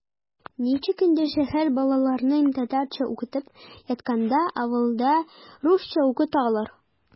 Ничек инде шәһәр балаларын татарча укытып ятканда авылда русча укыталар?!